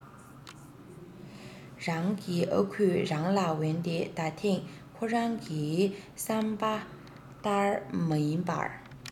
རང གི ཨ ཁུས རང ལ འོན ཏེ ད ཐེངས ཁོ རང གི བསམ པ ཏར མ ཡིན པར